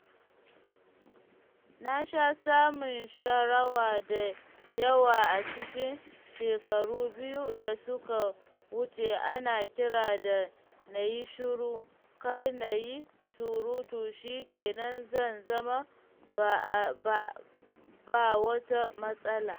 Na sha samun sharawa da yawa a cikin shekaru biyu da suka wuce ana kira da na yi shiru, kar na yi surutu shi ke nan zan zama “ba wata matsala.”